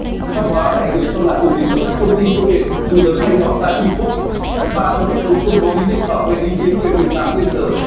văn hóa này được cho là phổ biến ở các công ty công nghệ dù lớn hay nhỏ tại trung quốc jack ma cho biết ông không có ý định bảo vệ ý kiến về việc làm thêm giờ